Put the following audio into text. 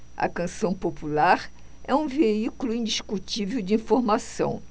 a canção popular é um veículo indiscutível de informação